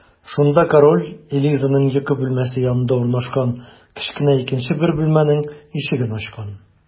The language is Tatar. Шунда король Элизаның йокы бүлмәсе янында урнашкан кечкенә икенче бер бүлмәнең ишеген ачкан.